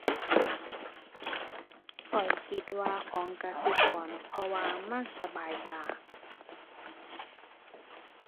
ข้อยคิดว่าของกสิกร เพราะว่ามันสบายตา